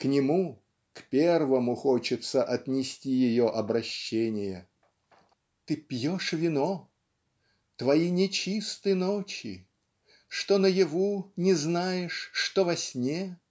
К нему, к первому хочется отнести ее обращение Ты пьешь вино твои нечисты ночи Что наяву не знаешь что во сне